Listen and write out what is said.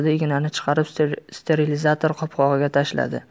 ignani chiqarib sterilizator qopqog'iga tashladi